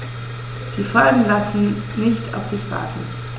Die Folgen lassen nicht auf sich warten.